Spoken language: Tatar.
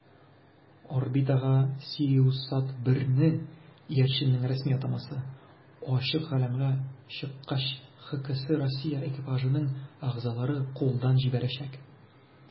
Орбитага "СириусСат-1"ны (иярченнең рәсми атамасы) ачык галәмгә чыккач ХКС Россия экипажының әгъзалары кулдан җибәрәчәк.